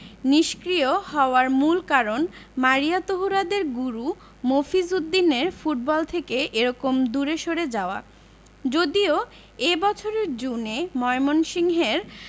নিষ্ক্রিয় হওয়ার মূল কারণ মারিয়া তহুরাদের গুরু মফিজ উদ্দিনের ফুটবল থেকে এরকম দূরে সরে যাওয়া যদিও এ বছরের জুনে ময়মনসিংহের